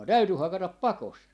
täytyi hakata pakosta